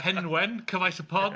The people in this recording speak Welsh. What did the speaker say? Henwen, cyfaill y pod.